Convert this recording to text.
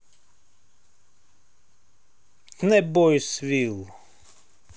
the boys will